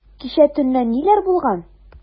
Кичә төнлә ниләр булган?